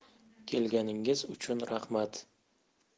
kelganingiz uchun rahmat